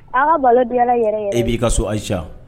Ala balo dun ala yɛrɛ e b'i ka so ayi ca